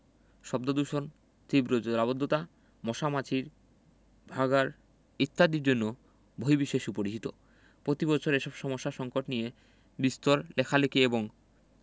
শব্দদূষণ তীব্র জলাবদ্ধতা মশা মাছির ভাঁগাড় ইত্যাদির জন্য বহির্বিশ্বে সুপরিচিত প্রতিবছর এসব সমস্যা সঙ্কট নিয়ে বিস্তর লেখালেখি এবং